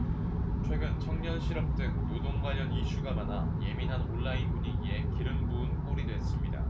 최근 청년 실업 등 노동 관련 이슈가 많아 예민한 온라인 분위기에 기름을 부은 꼴이 됐습니다